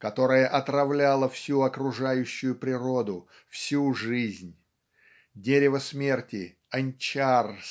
которое отравляло всю окружающую природу всю жизнь. Дерево смерти Анчар